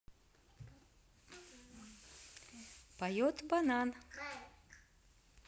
поет банан